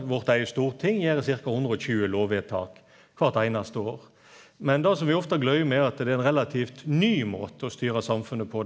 vårt eige storting gjer ca. hundreogtjue lovvedtak kvart einaste år, men det som vi ofte gløymer er at det er ein relativt ny måte å styre samfunnet på.